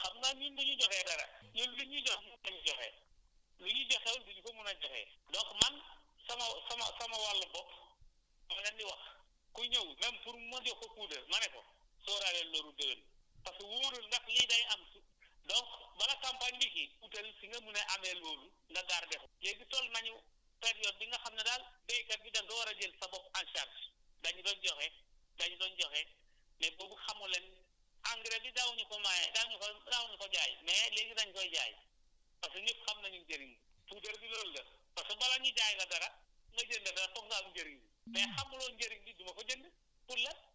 effectivement ñun amuñu xam nga ñun bu ñu joxee dara ñun liñ ñu jox moom la ñu joxe lu ñu joxewul duñ ko mun a joxe donc man sama sama sama wàll bopp dama leen di wax ku ñëw même pour ma jox ko puudar ma ne ko sóoraaleel loolu déwén parce que wóoratul ndax lii day am donc bala campagne di kii utal fi nga mun a amee loolu nga garder ko léegi toll nañu période bi nga xam ne daal béykat bi da nga war a jël sa bopp en charge dañu doon joxe dañu doon joxe mais boobu xamu leen engrais bi daawuñu ko maye daañu ko daawuñu ko jaay mais léegi dañ koy jaay parce que ñëpp xam nañu njëriñ bi su dee si loolu la parce que bala ñu jaay la dara nga jënd dara foog nga am njëriñ